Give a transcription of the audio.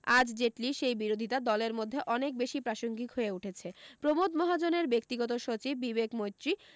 আজ জেটলির সেই বিরোধিতা দলের মধ্যে অনেক বেশী প্রাসঙ্গিক হয়ে উঠেছে প্রমোদ মহাজনের ব্যক্তিগত সচিব বিবেক মৈত্রী